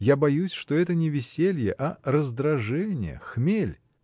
Я боюсь, что это не веселье, а раздражение, хмель.